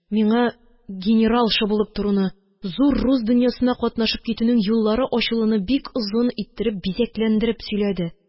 Миңа генералша булып торуны, зур рус дөньясына катнашып китүнең юллары ачылуны бик озын иттереп бизәкләндереп сөйләде